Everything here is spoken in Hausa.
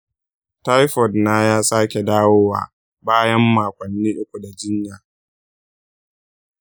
taifoid na ya sake dawowa bayan makonni uku da jinya.